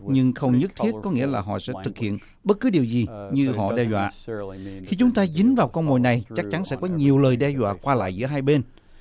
nhưng không nhất thiết có nghĩa là họ sẽ thực hiện bất cứ điều gì như họ đe dọa khi chúng ta dính vào con mồi này chắc chắn sẽ có nhiều lời đe dọa qua lại giữa hai bên